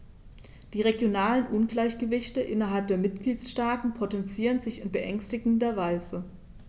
Die regionalen Ungleichgewichte innerhalb der Mitgliedstaaten potenzieren sich in beängstigender Weise.